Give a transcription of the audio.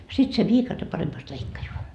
sitten se viikate paremmasti leikkaa